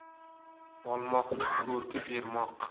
olmoqning ko'rki bermoq